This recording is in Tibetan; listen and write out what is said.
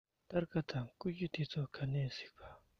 སྟར ཁ དང ཀུ ཤུ དེ ཚོ ག ནས གཟིགས པ